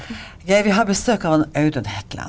Geir vi har besøk av han Audun Hetland.